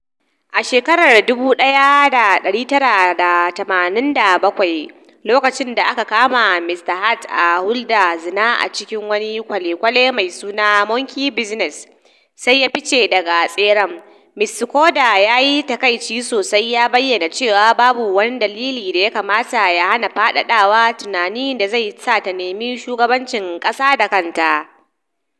A shekarar 1987, lokacin da aka kama Mr Hart a hulda zina a cikin wani kwale-kwale mai suna Monkey Business sai ya fice daga tseren, Ms. Schroeder ya yi takaici sosai, ya bayyana cewa babu wani dalili da ya kamata ya hana a faɗaɗa tunanin da zai sa ta nemi shugaban ƙasa da kanta.